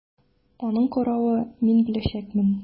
Аның каравы, мин беләчәкмен!